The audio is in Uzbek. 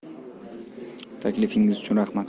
taklifingiz uchun uchun rahmat